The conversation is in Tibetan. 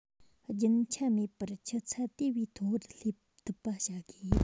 རྒྱུན ཆད མེད པར ཆུ ཚད དེ བས མཐོ བར སླེབས ཐུབ པ བྱ དགོས